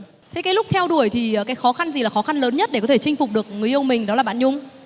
thế cái lúc theo đuổi thì cái khó khăn gì là khó khăn lớn nhất để có thể chinh phục được người yêu mình đó là bạn nhung